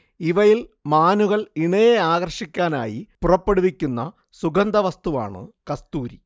ഇവയിൽ മാനുകൾ ഇണയെ ആകർഷിക്കാനായി പുറപ്പെടുവിക്കുന്ന സുഗന്ധവസ്തുവാണ് കസ്തൂരി